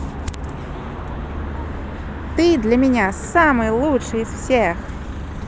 ты для меня самый лучший из всех